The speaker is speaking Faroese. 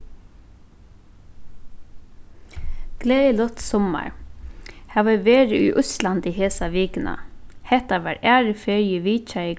gleðiligt summar havi verið í íslandi hesa vikuna hetta var aðru ferð eg vitjaði